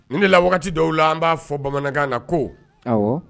Nin de la wagati dɔw la an b'a fɔ bamanankan na ko awɔ